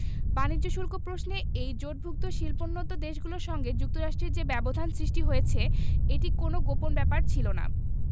বাণিজ্য শুল্ক প্রশ্নে এই জোটভুক্ত শিল্পোন্নত দেশগুলোর সঙ্গে যুক্তরাষ্ট্রের যে ব্যবধান সৃষ্টি হয়েছে এটি কোনো গোপন ব্যাপার ছিল না